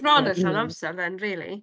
Bron yn... m-hm ...llawn amser dden rili?